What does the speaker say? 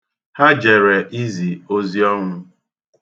Ha jere izi ozi ọnwụ.